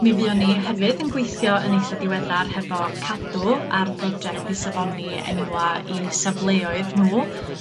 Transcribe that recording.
Mi fuon ni hefyd yn gweithio yn eitha diweddar hefo Cadw ar broject i safoni enwa' 'u safleoedd nw